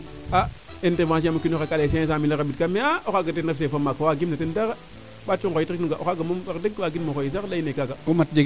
na fi'i iintervention yaam o kiino xe kaa leye cinq cent mille a rabid kaa me a o xaaga de ten ref chef fo maak wagim no ten dara ɓaat yo ngoyit rek nu nga o xaaga moom wax deg wagin mo xooy sax leyina kaaga